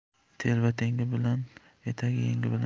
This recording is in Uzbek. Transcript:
telba tengi bilan etagi yengi bilan